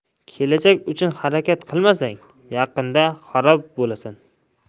kelajak uchun harakat qilmasang yaqinda xarob bo'lasan